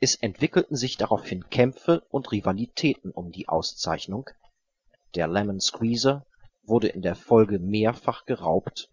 Es entwickelten sich daraufhin Kämpfe und Rivalitäten um die Auszeichnung, der Lemon Squeezer wurde in der Folge mehrfach geraubt,